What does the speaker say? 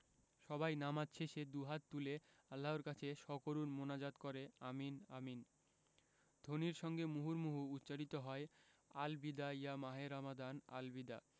সবাই নামাজ শেষে দুহাত তুলে আল্লাহর কাছে সকরুণ মোনাজাত করে আমিন আমিন ধ্বনির সঙ্গে মুহুর্মুহু উচ্চারিত হয় আল বিদা ইয়া মাহে রমাদান আল বিদা